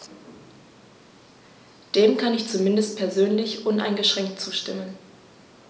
Dem kann ich zumindest persönlich uneingeschränkt zustimmen.